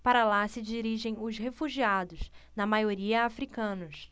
para lá se dirigem os refugiados na maioria hútus